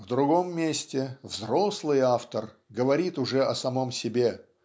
В другом месте взрослый автор говорит уже о самом себе